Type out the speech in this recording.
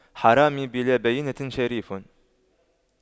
حرامي بلا بَيِّنةٍ شريف